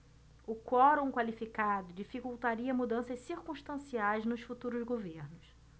o quorum qualificado dificultaria mudanças circunstanciais nos futuros governos